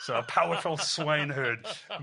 So a powerful swineherd.